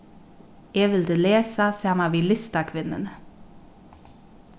eg vildi lesa saman við listakvinnuni